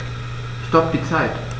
Stopp die Zeit